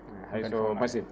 hayso machine